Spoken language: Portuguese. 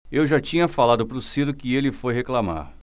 eu já tinha falado pro ciro que ele foi reclamar